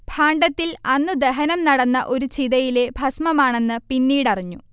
ഭാണ്ഡത്തിൽ അന്നു ദഹനം നടന്ന ഒരു ചിതയിലെ ഭസ്മമാണെന്ന് പിന്നീടറിഞ്ഞു